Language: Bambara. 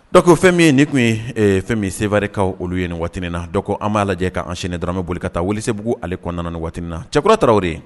Dɔwke fɛn min ye ni tun ye fɛn min serikaw olu ye na dɔw an b'a lajɛ k'an sen dɔrɔnmɛ boli ka taa wuli sebugu ale kɔn niina cɛkura tarawele o de ye